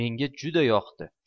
menga shunday yoqdi